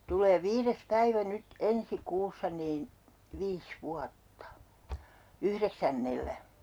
tulee viides päivä nyt ensi kuussa niin viisi vuotta yhdeksännellä